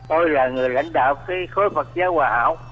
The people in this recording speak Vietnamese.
tôi là người lãnh đạo khi khối phật giáo hòa hảo